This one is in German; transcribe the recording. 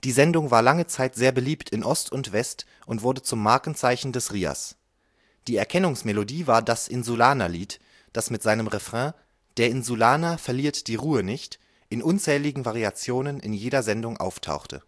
Sendung war lange Zeit sehr beliebt in Ost und West und wurde zum Markenzeichen des RIAS. Die Erkennungsmelodie war das Insulanerlied, das mit seinem Refrain „ Der Insulaner verliert die Ruhe nicht “in unzähligen Variationen in jeder Sendung auftauchte